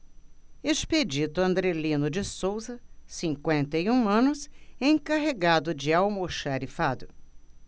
expedito andrelino de souza cinquenta e um anos encarregado de almoxarifado